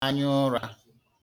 anyaụrā